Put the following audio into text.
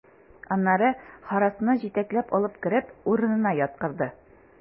Аннары Харрасны җитәкләп алып кереп, урынына яткырды.